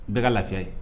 Bɛɛ ka lafiya ye